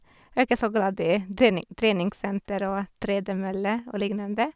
Er ikke så glad i trening treningssenter og tredemølle og lignende.